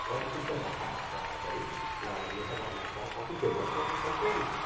có những trung tâm đào tạo và ở đấy là người ta gọi là có có cái truyền thống qua các thói quen